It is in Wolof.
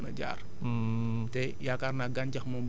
ba ngelaw li mun a jaar ndox bi mun a jaar